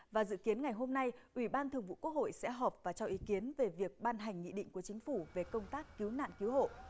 và dự kiến ngày hôm nay ủy ban thường vụ quốc hội sẽ họp và cho ý kiến về việc ban hành nghị định của chính phủ về công tác cứu nạn cứu hộ